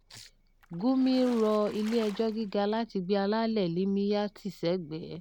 Gyumi rọ Ilé-ẹjọ́ Gíga láti gbé àlàálẹ̀ LMA tì sẹ́gbẹ̀ẹ́.